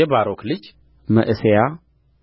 የባሮክ ልጅ መዕሤያ